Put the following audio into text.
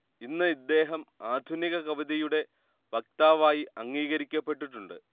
ഇന്ന് ഇദ്ദേഹം ആധുനിക കവിതയുടെ വക്താവായി അംഗീകരിക്കപ്പെട്ടിട്ടുണ്ട്